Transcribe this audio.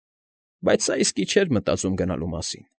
Բայց սա իսկը չէր մտածում գնալու մասին։